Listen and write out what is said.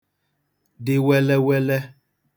dị welewele